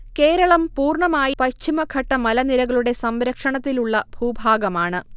കേരളം പൂർണമായി പശ്ചിമഘട്ട മലനിരകളുടെ സംരക്ഷണത്തിലുള്ള ഭൂഭാഗമാണ്